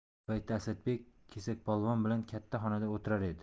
bu paytda asadbek kesakpolvon bilan katta xonada o'tirar edi